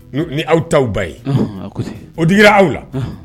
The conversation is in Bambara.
Ni aw taw ba ye . Ɔnhɔn O digila aw la ɔnhɔn